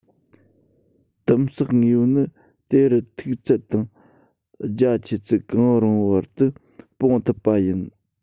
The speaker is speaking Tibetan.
དིམ བསགས དངོས པོ ནི དེ རུ མཐུག ཚད དང རྒྱ ཆེ ཚད གང རུང བར དུ སྤུང ཐུབ པ ཡིན